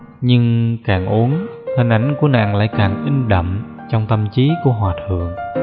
nhưng càng uống hình ảnh của nàng lại càng in đậm trong tâm trí của hòa thượng